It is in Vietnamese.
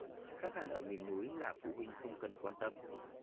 khác hẳn ở miền núi là phụ huynh không cần quan tâm